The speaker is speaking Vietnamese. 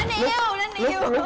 đánh iu đánh iu